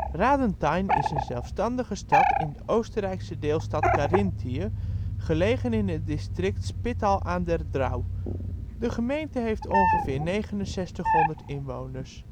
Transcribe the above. Radenthein is een zelfstandige stad in de Oostenrijkse deelstaat Karinthië, gelegen in het district Spittal an der Drau. De gemeente heeft ongeveer 6.900 inwoners